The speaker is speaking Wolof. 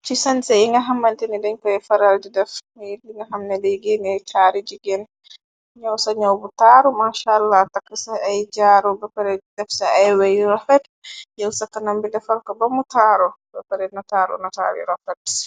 Ci sanse yi nga xamante ni dañ koy faral du def mir di nga xamne de geenay taari jigeen ñoow sa ñoow bu taaru mancharlot takk ca ay jaaru beparet u def ca aywe yu rofet yël sa kanambi defarka bamu taaru beparet nataaru nataalu yu rafet.